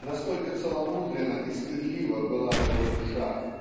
настолько целомудренна и стыдлива была его душа